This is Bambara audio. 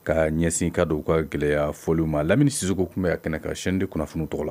Ka ɲɛsin ka dɔw u ka gɛlɛyaya fɔli ma lamini siko tun bɛ ka kɛnɛ ka sdi kɔnɔ kunnafoniunu tɔgɔ la